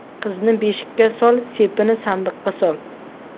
qizni beshikka sol sepini sandiqqa sol